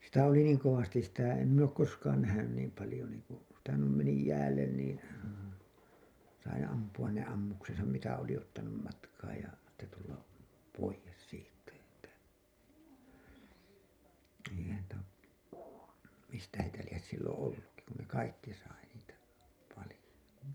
sitä oli niin kovasti sitä en minä ole koskaan nähnyt niin paljon niin kuin sitä noin meni jäälle niin sai ampua ne ammuksensa mitä oli ottanut matkaan ja sitten tulla pois siitä että eihän että mistä heitä lie silloin ollutkin kun ne kaikki sai niitä paljon